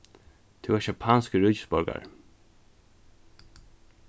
tú ert japanskur ríkisborgari